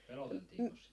peloteltiinkos sitä